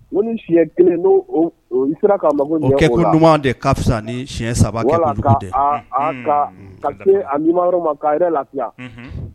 Ŋo ni siɲɛ 1 n'o o o i sera k'a mago ɲɛ o la o kɛkoɲuman de ka fisa nii siɲɛ 3 kɛkojugu dɛ unhun voilà ka a a ka a lafiyara ka see a nimayɔrɔ ma k'a yɛrɛ lafiya